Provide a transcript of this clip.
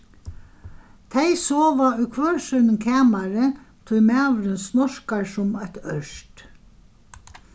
tey sova í hvør sínum kamari tí maðurin snorkar sum eitt ørt